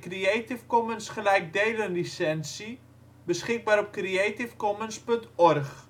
53° 6 ' NB, 7° 4 ' OL